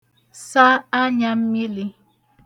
sa anyā mmīlī